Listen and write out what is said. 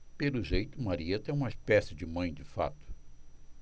pelo jeito marieta é uma espécie de mãe de fato